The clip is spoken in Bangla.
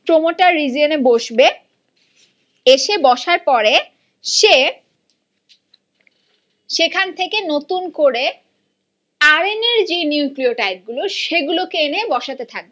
প্রমোটার রিজিওনে বসবে এসে বসার পরে সে সেখান থেকে নতুন করে আর এন এর যে নিউক্লিওটাইডগুলো সেগুলোকে এনে বসাতে থাকবে